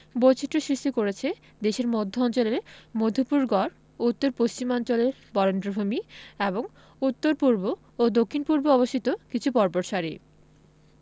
বৈচিত্র্য সৃষ্টি করেছে দেশের মধ্য অঞ্চলের মধুপুর গড় উত্তর পশ্চিমাঞ্চলের বরেন্দ্রভূমি এবং উত্তর পূর্ব ও দক্ষিণ পূর্বে অবস্থিত কিছু পর্বতসারি